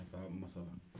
a ka masala